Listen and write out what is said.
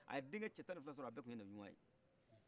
a ye den kɛ cɛ tann fila sɔrɔ a bɛ tun ye nabiɲuman ye